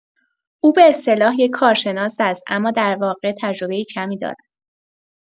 او به‌اصطلاح یک کارشناس است، اما در واقع تجربه کمی دارد.